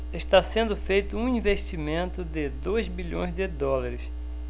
está sendo feito um investimento de dois bilhões de dólares